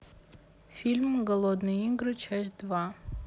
фильм голодные игры часть два